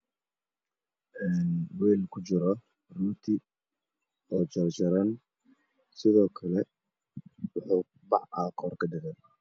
Wiil ku jira rooting oo jarjaran sidoo kale bac aa korka oga xiran